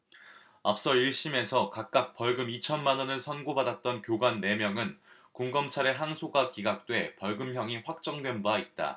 앞서 일 심에서 각각 벌금 이천 만 원을 선고받았던 교관 네 명은 군 검찰의 항소가 기각돼 벌금형이 확정된 바 있다